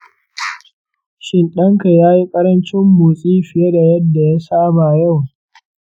shin ɗanka ya yi ƙarancin motsi fiye da yadda ya saba yau?